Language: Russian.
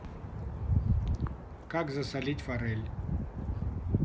как засолить форель